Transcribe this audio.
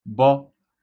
-bọ